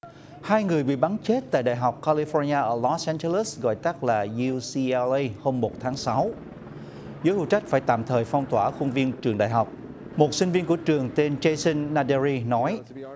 hai người bị bắn chết tại đại học ca li phóc ni a ở lót an dơ lớt gọi tắt là diu xi eo ây hôm một tháng sáu giới phụ trách phải tạm thời phong tỏa khuôn viên trường đại học một sinh viên của trường tên trây sưn na đeo ri nói